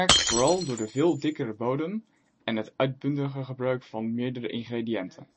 vooral door de veel dikkere bodem en het uitbundiger gebruik van meerdere ingrediënten